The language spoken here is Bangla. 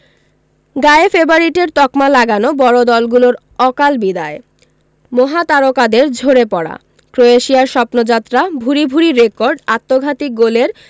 গায়ে ফেভারিটের তকমা লাগানো বড় দলগুলোর অকাল বিদায় মহাতারকাদের ঝরে পড়া ক্রোয়েশিয়ার স্বপ্নযাত্রা ভূরি ভূরি রেকর্ড আত্মঘাতী গোলের